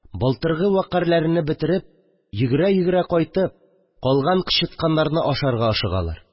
Бытыргы вәкарьләрене бетереп, йөгерә-йөгерә кайтып, калган кычытканнарны ашарга ашыгалар